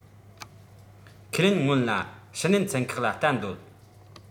ཁས ལེན སྔོན ལ ཕྱི ནད ཚན ཁག ལ བལྟ འདོད